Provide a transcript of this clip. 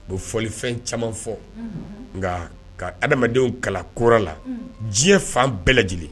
Bɛ fɔlifɛn caman fɔ nka ka adamadenw kala ko la diɲɛ fan bɛɛ lajɛlen